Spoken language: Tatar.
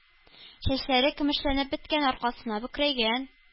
Чәчләре көмешләнеп беткән, аркасы бөкрәйгән,